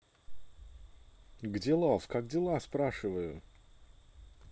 где love как дела спрашиваю